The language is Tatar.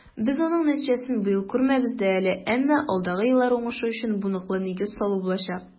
Без аның нәтиҗәсен быел күрмәбез дә әле, әмма алдагы еллар уңышы өчен бу ныклы нигез салу булачак.